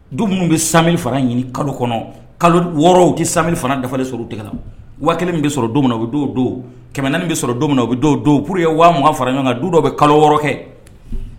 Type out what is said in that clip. Don minnu bɛ san fara ɲini kalo kɔnɔ kalo wɔɔrɔw tɛ sa fana dafa sɔrɔ u tigɛ la waati kelen bɛ sɔrɔ don bɛ don kɛmɛ bɛ sɔrɔ don min u bɛ don p ye waa fara ɲɔgɔn kan du dɔ bɛ kalo wɔɔrɔ kɛ